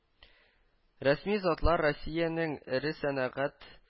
Рәсми затлар Россиянең эре сәнәгать